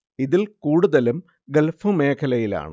ഇതില്‍ കൂടുതലും ഗള്‍ഫ് മേഖലയിലാണ്